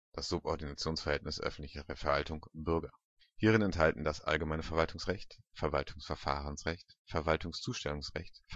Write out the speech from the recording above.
Subordinationsverhältnis Öffentliche Verwaltung – Bürger) Allgemeines Verwaltungsrecht Verwaltungsverfahrensrecht Verwaltungszustellungsrecht Verwaltungsvollstreckungsrecht